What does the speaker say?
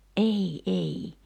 ei ei